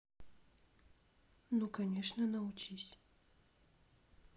ну конечно научись